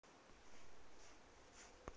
хорошо спасибо тебе